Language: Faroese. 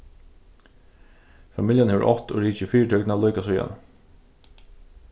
familjan hevur átt og rikið fyritøkuna líka síðani